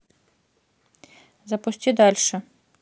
запусти дальше